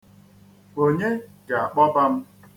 Onye ga-akpọba m?